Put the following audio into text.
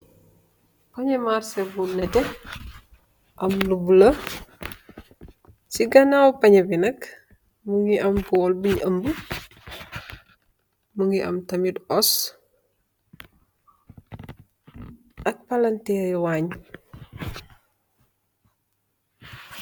Pañe marseh bu netteh am lu bula ci ganaw pañe bi nak mugii am bóól buñ ambu mugii am tamit ós ak palanterr yi wañ.